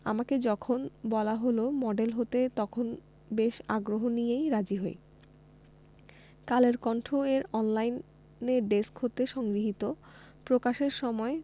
আমাকে যখন বলা হলো মডেল হতে তখন বেশ আগ্রহ নিয়েই রাজি হই কালের কণ্ঠ এর অনলাইনে ডেস্ক হতে সংগৃহীত প্রকাশের সময়